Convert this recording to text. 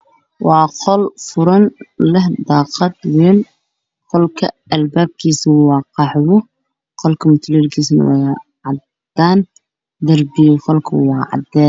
Waa qol furan daqalad leh qolka ilbaabkisa waa dhaxwo